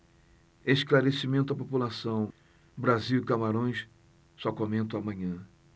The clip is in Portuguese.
esclarecimento à população brasil e camarões só comento amanhã